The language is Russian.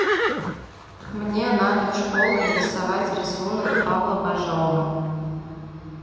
мне надо в школу нарисовать рисунок павла бажова